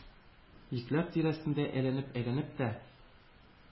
Йөкләр тирәсендә әйләнеп-әйләнеп тә